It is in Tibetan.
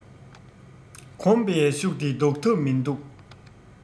གོམས པའི ཤུགས འདི བཟློག ཐབས མིན འདུག